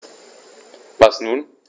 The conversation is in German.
Was nun?